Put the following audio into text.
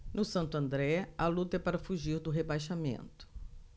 no santo andré a luta é para fugir do rebaixamento